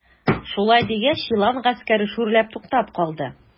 Шулай дигәч, елан гаскәре шүрләп туктап калды.